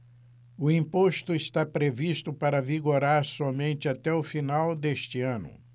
o imposto está previsto para vigorar somente até o final deste ano